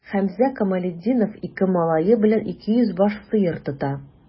Хәмзә Камалетдинов ике малае белән 200 баш сыер тота.